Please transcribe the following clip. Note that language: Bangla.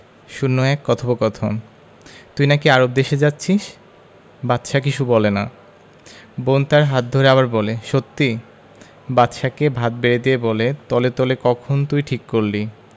০১ কথোপকথন তুই নাকি আরব দেশে যাচ্ছিস বাদশা কিছু বলে না বোন তার হাত ধরে আবার বলে সত্যি বাদশাকে ভাত বেড়ে দিয়ে বলে তলে তলে কখন তুই ঠিক করলি